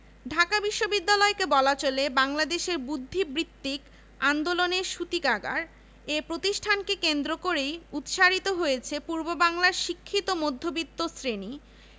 মুক্তিযুদ্ধকালে পাক সরকারের বুদ্ধিজীবী নিধন পরিকল্পনার শিকার হয়েছেন ঢাকা বিশ্ববিদ্যাপলয়ের ১৯ ক